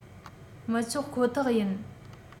མི ཆོག ཁོ ཐག ཡིན